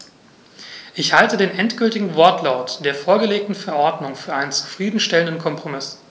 Ich halte den endgültigen Wortlaut der vorgelegten Verordnung für einen zufrieden stellenden Kompromiss.